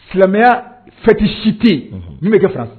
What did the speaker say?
Silamɛya fiti si tɛ n bɛ kɛ faga